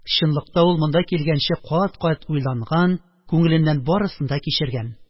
Чынлыкта ул монда килгәнче кат-кат уйланган, күңеленнән барысын да кичергән.